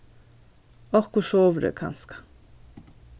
okkurt sovorðið kanska